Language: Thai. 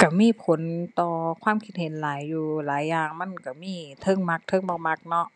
ก็มีผลต่อความคิดเห็นหลายอยู่ หลายอย่างมันก็มีเทิงมัก เทิงบ่มักเนาะ